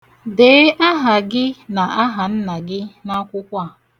Dee aha gị na ahanna gị n'akwụkwọ a.